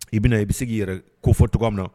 I bɛna, i bɛ se k'i yɛrɛ kofɔ cɔgɔya min na.